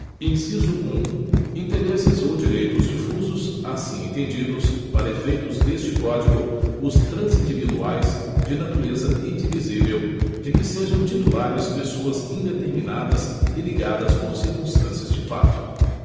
inciso um interesses ou direitos difusos assim entendidos para efeitos deste código os transindividuais de natureza indivisível de que sejam titulares pessoas indeterminadas e ligadas por circunstâncias de fato